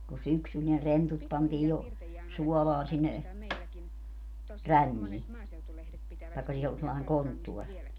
kun syksyllä ne rentut pantiin jo suolaan sinne ränniin tai siinä oli sellainen konttori